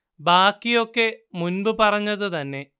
ബാക്കി ഒക്കെ മുൻപ് പറഞ്ഞത് തന്നെ